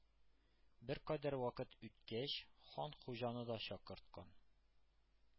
Беркадәр вакыт үткәч, хан Хуҗаны да чакырткан